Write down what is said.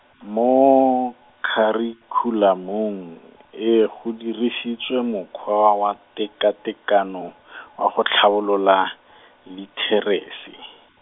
mo kharikhulamong e go dirisitswe mokgwa wa tekatekano , wa go tlhabolola, litheresi.